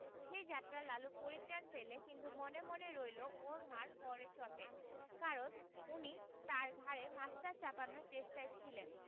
সে যাত্রা লালু পরিত্রাণ পেলে কিন্তু মনে মনে রইল ও মা'র 'পরে চটে কারণ উনি তার ঘাড়ে মাস্টার চাপানোর চেষ্টায় ছিলেন